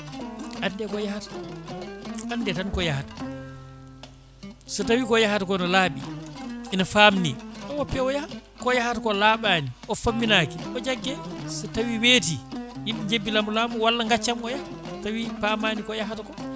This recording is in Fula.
ande ko yahata ande tan ko yahata so tawi ko yahata ko ne laaɓi ina famni o woppe o yaaha ko yahata ko laaɓani o famminaki o jaggue so tawi weeti yimɓe jebbilamo laamu o walla gaccamo o yaaka tawi paamani ko yahata ko